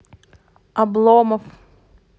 обломов